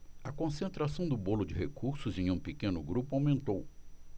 a concentração do bolo de recursos em um pequeno grupo aumentou